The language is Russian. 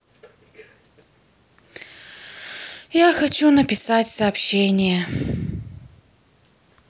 я хочу написать сообщение